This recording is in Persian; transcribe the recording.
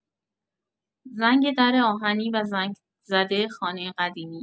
زنگ در آهنی و زنگ‌زده خانه قدیمی